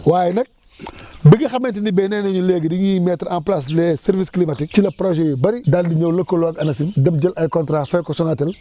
waaye nag bi nga xamante ne bii nee nañ léegi dañuy mettre en place les services climatiques ci la projet yu bëri daal di mën a lëkkaloo ak Anacim dem jël contrat fay ko Sonatel